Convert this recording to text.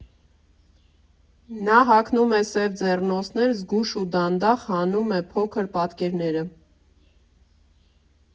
Նա հագնում է սև ձեռնոցներ, զգույշ ու դանդաղ հանում է փոքր պատկերները.